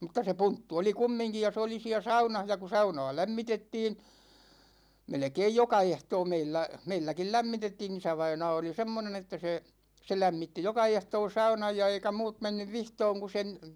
mutta se punttu oli kumminkin ja se oli siellä saunassa ja kun saunaa lämmitettiin melkein joka ehtoo meillä meilläkin lämmitettiin isävainaa oli semmoinen että se se lämmitti joka ehtoo saunan ja eikä muut mennyt vihtomaan kun sen